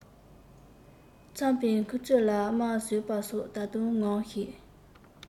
ཚངས པའི མཁུར ཚོས ལ རྨ བཟོས པ སོགས ད དུང ངོམས ཤིག